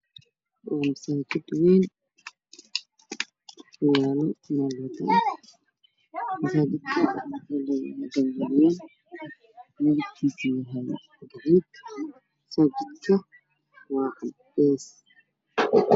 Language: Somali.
Waa masaajid wayn oo ku yaalo meel wado ah masaajidka wuxuu leeyahy jambi weyn midabkiisa yahay gaduud masaajid ka midabkiisu waa cadeys